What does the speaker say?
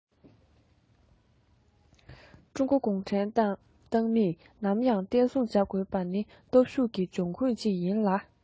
ཀྲུང གོའི གུང ཁྲན ཏང མིས ནམ ཡང བརྟན སྲུང བྱ དགོས པའི སྟོབས ཤུགས ཀྱི འབྱུང ཁུངས ཤིག ཀྱང རེད